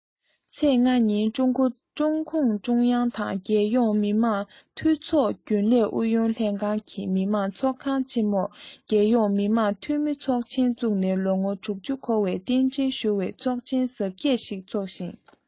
ཚེས ཉིན གྱི སྔ དྲོ ཀྲུང གུང ཀྲུང དབྱང དང རྒྱལ ཡོངས མི དམངས འཐུས ཚོགས རྒྱུན ལས ཨུ ཡོན ལྷན ཁང གིས མི དམངས ཚོགས ཁང ཆེ མོར རྒྱལ ཡོངས མི དམངས འཐུས མི ཚོགས ཆེན བཙུགས ནས ལོ ངོ འཁོར བར རྟེན འབྲེལ ཞུ བའི ཚོགས ཆེན གཟབ རྒྱས ཤིག འཚོགས ཤིང